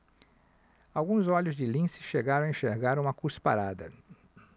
alguns olhos de lince chegaram a enxergar uma cusparada